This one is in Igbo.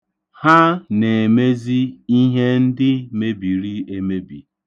Ha na-emezi ihe ndị mebiri emebi.